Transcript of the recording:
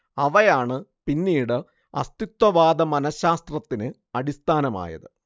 അവയാണ് പിന്നീട് അസ്തിത്വവാദ മനശാസ്ത്രത്തിന് അടിസ്ഥാനമായത്